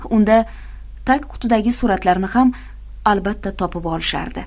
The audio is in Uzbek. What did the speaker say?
unda tagqutidagi suratlarni ham albatta topib olishardi